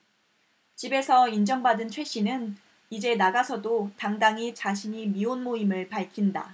집에서 인정받은 최 씨는 이제 나가서도 당당히 자신이 미혼모임을 밝힌다